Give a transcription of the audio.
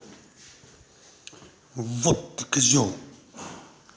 вот ты козел